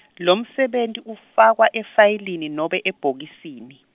lomsebenti ufakwa efayeleni nobe ebhokisini.